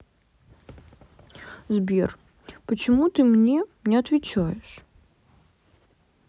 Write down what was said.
сбер почему ты мне не отвечаешь